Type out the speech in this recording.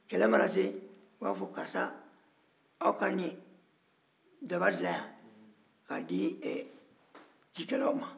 kɛlɛ mana se u b'a fɔ karisa aw ka daba dilan k'a di cikɛlaw ma